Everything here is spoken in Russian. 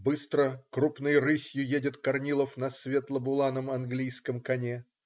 Быстро, крупной рысью едет Корнилов на светло-буланом английском коне.